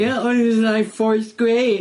Ie I was in like fourth grade.